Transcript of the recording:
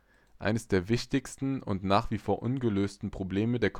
Eines der wichtigsten und nach wie vor ungelösten Probleme der